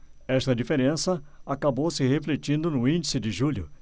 esta diferença acabou se refletindo no índice de julho